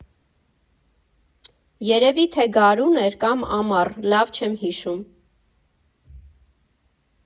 Երևի թե գարուն էր կամ ամառ, լավ չեմ հիշում։